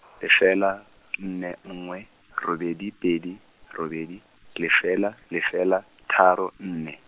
lefela, nne nngwe, robedi pedi, robedi, lefela, lefela, tharo, nne.